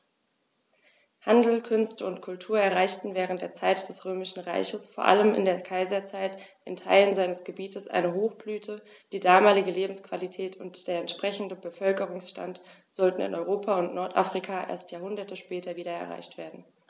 Handel, Künste und Kultur erreichten während der Zeit des Römischen Reiches, vor allem in der Kaiserzeit, in Teilen seines Gebietes eine Hochblüte, die damalige Lebensqualität und der entsprechende Bevölkerungsstand sollten in Europa und Nordafrika erst Jahrhunderte später wieder erreicht werden.